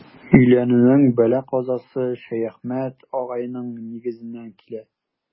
Өйләнүнең бәла-казасы Шәяхмәт агайның нигезеннән килә.